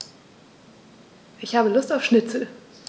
Ich habe Lust auf Schnitzel.